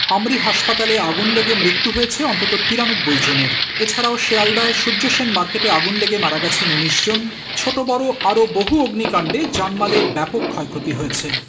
অংরি হাসপাতালে আগুন লেগে মৃত্যু হয়েছে অন্তত ৯৩ জনের এছাড়াও শিয়ালদায় সূর্যসেন মার্কেটে আগুন লেগে মারা গেছেন ১৯ জন ছোট-বড় আরো বহু অগি্নকাণ্ডে জানমালের ব্যাপক ক্ষয়ক্ষতি হয়েছে